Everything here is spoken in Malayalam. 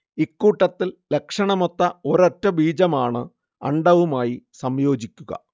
ഇക്കൂട്ടത്തിൽ ലക്ഷണമൊത്ത ഒരൊറ്റ ബീജമാണ് അണ്ഡവുമായി സംയോജിക്കുക